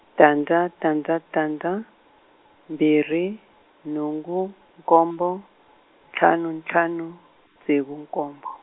tandza tandza tandza, mbirhi, nhungu, nkombo, tlhanu ntlhanu, ntsevu nkombo.